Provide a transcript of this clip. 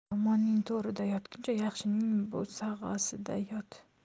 yomonning to'rida yotguncha yaxshining bo'sag'asida yot